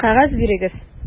Кәгазь бирегез!